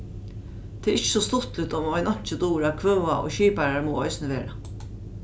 tað er ikki so stuttligt um ein einki dugir at kvøða og skiparar mugu eisini vera